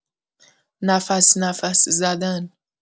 نفس‌نفس زدن